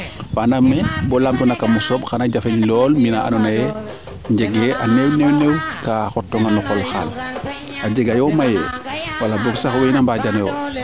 wa andaame bo laamtoona kamo sooɓ xana jafeñ mbina ando naye njege a neew neew kaa xot toonga no qol xaal a jega yoo maye wala boog sax weena mbaanjanoyo